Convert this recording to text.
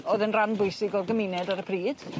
O'dd yn ran bwysig o'r gymuned ar y pryd.